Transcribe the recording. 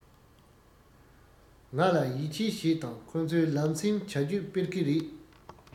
ང ལ ཡིད ཆེས བྱེད དང ཁོ ཚོས ལམ སེང བྱ སྤྱོད སྤེལ གི རེད